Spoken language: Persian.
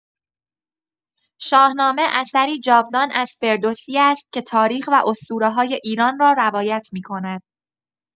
شاهنامه اثری جاودان از فردوسی است که تاریخ و اسطوره‌های ایران را روایت می‌کند.